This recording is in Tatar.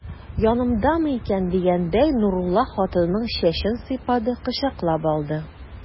Янымдамы икән дигәндәй, Нурулла хатынының чәчен сыйпады, кочаклап алды.